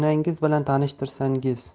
onangiz bilan tanishtirsangiz